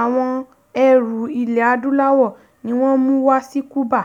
Àwọn ẹrù ilẹ̀ Adúláwò ni wọ́n mú u wá sí Cuba,